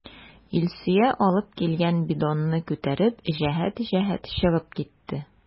Илсөя алып килгән бидонны күтәреп, җәһәт-җәһәт чыгып китте.